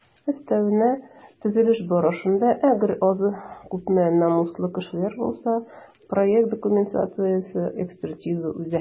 Өстәвенә, төзелеш барышында - әгәр азмы-күпме намуслы кешеләр булса - проект документациясе экспертиза уза.